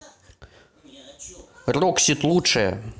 roxette лучшее